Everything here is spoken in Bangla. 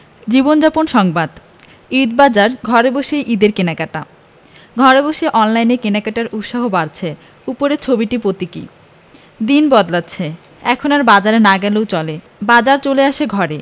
জীবনযাপন সংবাদ ঈদবাজার ঘরে বসেই ঈদের কেনাকাটা ঘরে বসে অনলাইনে কেনাকাটায় উৎসাহ বাড়ছে উপরের ছবিটি প্রতীকী দিন বদলেছে এখন আর বাজারে না গেলেও চলে বাজার চলে আসে ঘরে